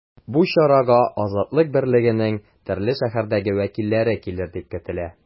Бу чарага “Азатлык” берлегенең төрле шәһәрдәге вәкилләре килер дип көтелә.